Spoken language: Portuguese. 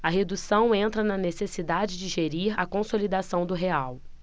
a redução entra na necessidade de gerir a consolidação do real